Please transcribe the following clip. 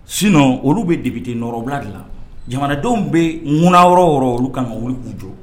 Sin olu bɛ debiteɔrɔbila dilan jamanadenw bɛ ŋ yɔrɔ yɔrɔ olu ka u jɔ